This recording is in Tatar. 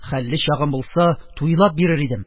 Хәлле чагым булса, туйлап бирер идем,